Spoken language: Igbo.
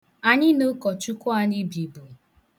Anyị na ụkọchukwu anyị bibu.